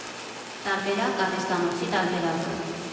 «Տարբերակ» արվեստանոցի տարբերակը։